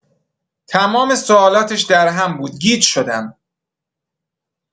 تمام سوالاتش درهم بود گیج شدم